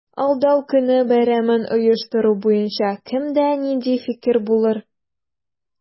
Алдау көне бәйрәмен оештыру буенча кемдә нинди фикер булыр?